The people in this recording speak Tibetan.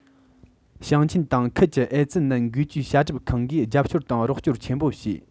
ཞིང ཆེན དང ཁུལ གྱི ཨེ ཙི ནད འགོག བཅོས བྱ སྒྲུབ ཁང གིས རྒྱབ སྐྱོར དང རོགས སྐྱོར ཆེན པོ བྱས